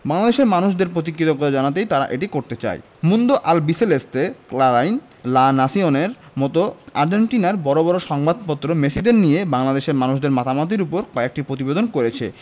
বাংলাদেশের মানুষের প্রতি কৃতজ্ঞতা জানাতেই তারা এটি করতে চায় Mundo Albiceleste Clarin La Nacion র মতো আর্জেন্টিনার বড় বড় সংবাদপত্র মেসিদের নিয়ে বাংলাদেশের মানুষের মাতামাতির ওপর কয়েকটা প্রতিবেদন করেছে